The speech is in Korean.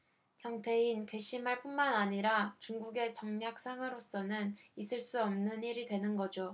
정태인 괘씸할 뿐만 아니라 중국의 전략상으로서는 있을 수 없는 일이 되는 거죠